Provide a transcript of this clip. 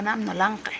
manaam no lang ke?